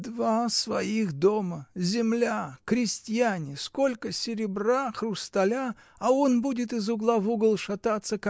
— Два своих дома, земля, крестьяне, сколько серебра, хрусталя — а он будет из угла в угол шататься.